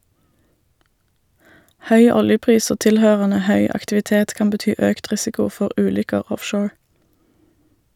Høy oljepris og tilhørende høy aktivitet kan bety økt risiko for ulykker offshore.